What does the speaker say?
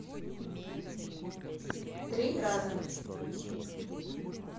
три раза